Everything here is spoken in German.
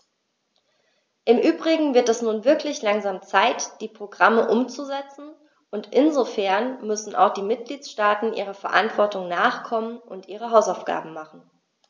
Im übrigen wird es nun wirklich langsam Zeit, die Programme umzusetzen, und insofern müssen auch die Mitgliedstaaten ihrer Verantwortung nachkommen und ihre Hausaufgaben machen.